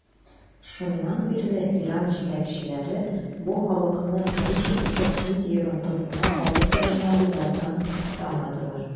Шуннан бирле Иран җитәкчеләре бу халыкны ничек итеп үз йогынтысына алу турында уйлаудан туктамадылар.